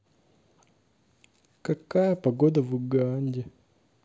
какая погода в уганде